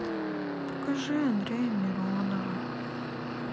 покажи андрея миронова